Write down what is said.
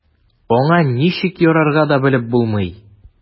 Аңа ничек ярарга да белеп булмый.